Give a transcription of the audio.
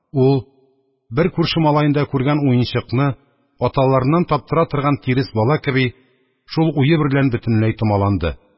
Ул, бер күрше малаенда күргән уенчыкны аталарыннан таптыра торган тирес бала кеби, шул уе берлән бөтенләй томаланды.